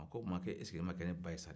a ko o tuma a fɔ e ma kɛ ne ba ye sa de